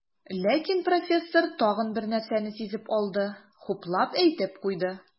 Ләкин профессор тагын бер нәрсәне сизеп алды, хуплап әйтеп куйды.